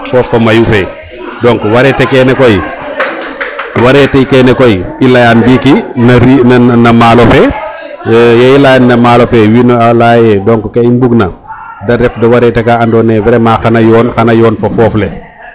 fofo mayu fe domc variete kene koy variete kene koy i leya ndiki nem na malo fe ye i leya no malo fe wiin we leya ye donc ke i mbug na te ref des variete ka ando naye vraiment xana yoon xana yoon fo foof le